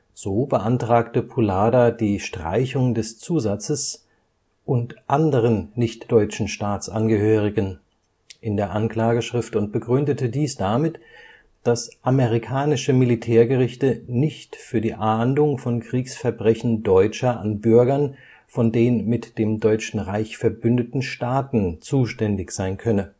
So beantragte Poullada die Streichung des Zusatzes „ und anderen nichtdeutschen Staatsangehörigen “in der Anklageschrift und begründete dies damit, dass amerikanische Militärgerichte nicht für die Ahndung von Kriegsverbrechen Deutscher an Bürgern von den mit dem Deutschen Reich verbündeten Staaten zuständig sein könne